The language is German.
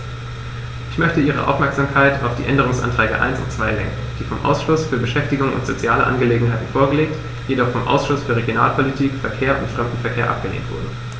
Ich möchte Ihre Aufmerksamkeit auf die Änderungsanträge 1 und 2 lenken, die vom Ausschuss für Beschäftigung und soziale Angelegenheiten vorgelegt, jedoch vom Ausschuss für Regionalpolitik, Verkehr und Fremdenverkehr abgelehnt wurden.